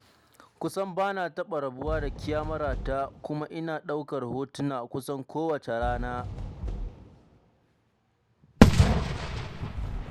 Kusan ba na taɓa rabuwa da kyamarata kuma ina ɗaukar hotuna kusan kowace rana.